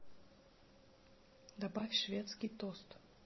добавь шведский тост